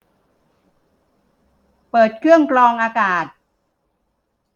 เปิดเครื่องกรองอากาศ